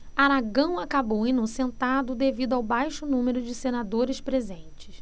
aragão acabou inocentado devido ao baixo número de senadores presentes